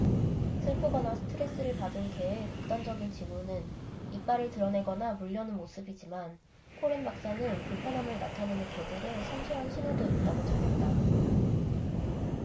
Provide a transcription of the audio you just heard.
슬프거나 스트레스를 받은 개의 극단적인 징후는 이빨을 드러내거나 물려는 모습이지만 코렌 박사는 불편함을 나타내는 개들의 섬세한 신호도 있다고 전했다